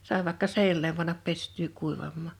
sai vaikka seinälle panna pestyä kuivamaan